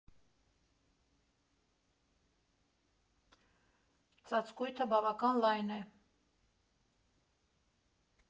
Ծածկույթը բավական լայն է։